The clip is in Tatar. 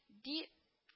Ди